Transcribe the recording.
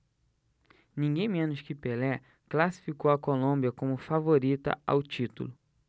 ninguém menos que pelé classificou a colômbia como favorita ao título